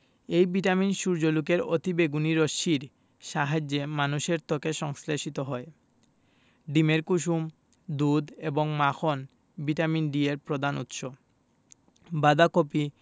এই ভিটামিন সূর্যলোকের অতিবেগুনি রশ্মির সাহায্যে মানুষের ত্বকে সংশ্লেষিত হয় ডিমের কুসুম দুধ এবং মাখন ভিটামিন D এর প্রধান উৎস বাঁধাকপি